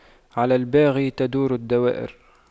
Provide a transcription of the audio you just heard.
على الباغي تدور الدوائر